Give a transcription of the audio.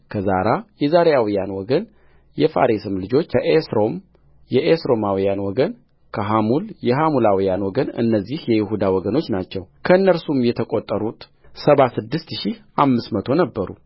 ከዛራ የዛራውያን ወገንየፋሬስም ልጆች ከኤስሮም የኤስሮማውያን ወገን ከሐሙል የሐሙላውያን ወገንእነዚህ የይሁዳ ወገኖች ናቸው ከእነርሱም የተቈጠሩት ሰባ ስድስት ሺህ አምስት መቶ ነበሩ